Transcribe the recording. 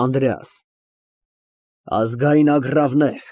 ԱՆԴՐԵԱՍ ֊ Ազգային ագռավներ։